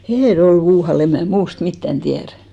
Hinnerjoella en muualla en minä muusta mitään tiedä